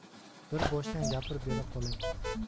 bir boshdan gapirib bera qolay